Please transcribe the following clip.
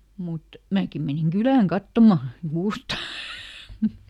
mutta minäkin menin kylään katsomaan kuusta